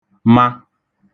ma